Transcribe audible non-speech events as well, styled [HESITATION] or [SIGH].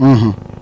[HESITATION] [HESITATION]